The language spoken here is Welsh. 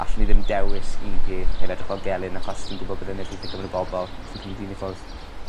allen i ddim dewis un peth heb edrych fel gelyn achos fi'n gwbod bydd e'n effeithio gymen' o bobol os fi'n cymryd un i ffwrdd.